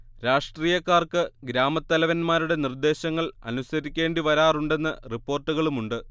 രാഷ്ട്രീയക്കാർക്ക് ഗ്രാമത്തലവന്മാരുടെ നിർദ്ദേശങ്ങൾ അനുസരിക്കേണ്ടിവരാറുണ്ടെന്ന് റിപ്പോർട്ടുകളുമുണ്ട്